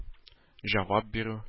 Җавап бирү